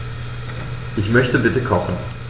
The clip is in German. Ich möchte bitte kochen.